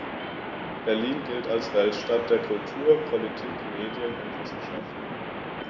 Berlin gilt als Weltstadt[9] der Kultur, Politik, Medien und Wissenschaften.